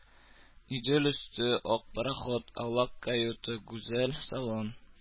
Идел өсте, ак пароход, аулак каюта, гүзәл салон